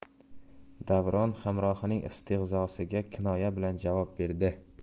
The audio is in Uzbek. davron hamrohining istehzosiga kinoya bilan javob berdi